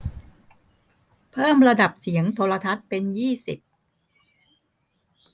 เพิ่มระดับเสียงโทรทัศน์เป็นยี่สิบ